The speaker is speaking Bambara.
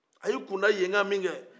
a y'i kunda yen kan min kɛ